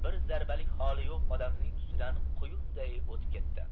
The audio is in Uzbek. bir zarbalik holi yo'q odamning ustidan quyunday o'tib ketdi